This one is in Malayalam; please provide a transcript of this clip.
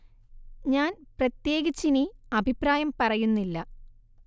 ഞാൻ പ്രത്യേകിച്ച് ഇനി അഭിപ്രായം പറയുന്നില്ല